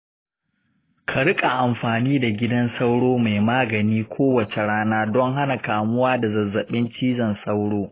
ka rika amfani da gidan sauro mai magani kowace rana don hana kamuwa da zazzabin cizon sauro.